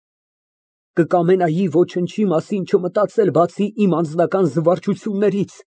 Կկամենայի ոչնչի մասին չմտածել, բացի իմ անձնական զվարճություններից։